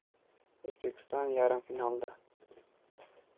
o'zbekiston yarim finalda